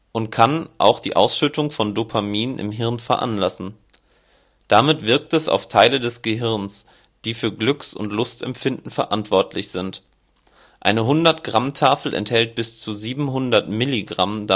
und kann auch die Ausschüttung von Dopamin im Hirn veranlassen. Damit wirkt es auf Teile des Gehirns, die für Glücks - und Lustempfinden verantwortlich sind. Eine Hundert-Gramm-Tafel enthält bis zu 700 mg